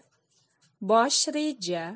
bosh reja